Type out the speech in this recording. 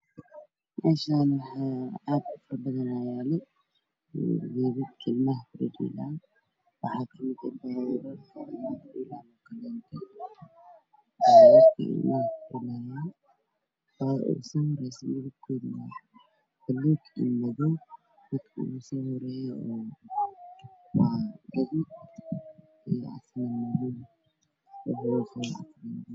Meeshaan waxaa ii muuqday meela yaallaan gaariga oo ilmaha ku ciyaaraan ku ciyaaraan kadaradoodu waxay ku waaweyn buluu guduud dhulka hoose waa cadaan